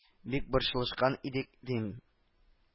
Бик борчылышкан идек дим